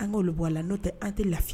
An ka bɔ a n'o tɛ an tɛ lafi